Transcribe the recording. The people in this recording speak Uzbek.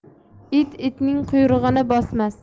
it itning quyrug'ini bosmas